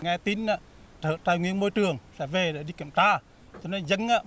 nghe tin ạ sở tài nguyên môi trường phải về để đi kiểm tra cho nên dân